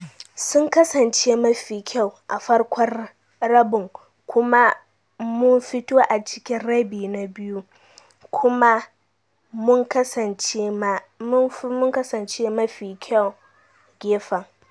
Sun kasance mafi kyau a farkon rabin kuma mun fito a cikin rabi na biyu kuma mun kasance mafi kyau gefen.